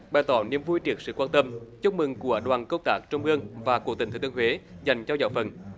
bày tỏ niềm vui trước sự quan tâm chúc mừng của đoàn công tác trung ương và của tỉnh thừa thiên huế dành cho giáo phận